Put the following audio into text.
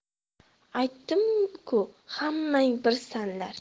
aytdim ku hammang birsanlar